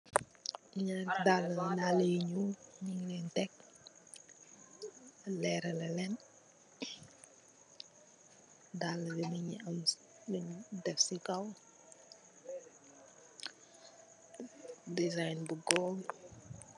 Daleu yu nyul nyunglen tek si kaw